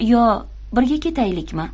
yo birga ketaylikmi